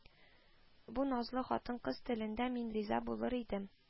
Бу назлы хатын-кыз телендә «Мин риза булыр идем»